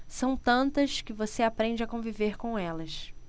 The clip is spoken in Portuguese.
são tantas que você aprende a conviver com elas